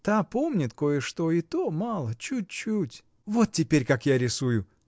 Та помнит кое-что, и то мало, чуть-чуть. — Вот теперь как я рисую!